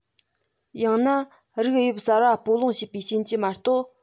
ཡང ན རིགས དབྱིབས གསར པ སྤོ འོངས བྱས པའི རྐྱེན གྱིས མ གཏོགས